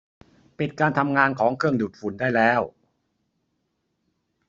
ปิดการทำงานของเครื่องดูดฝุ่นได้แล้ว